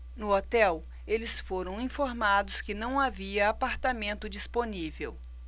no hotel eles foram informados que não havia apartamento disponível